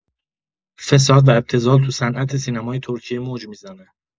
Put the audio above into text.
فساد و ابتذال تو صنعت سینمای ترکیه موج می‌زنه.